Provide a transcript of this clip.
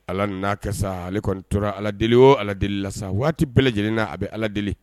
Ala n a ka ale kɔni tora ala deli o ala deli la waati bɛɛ lajɛlenina a bɛ ala deli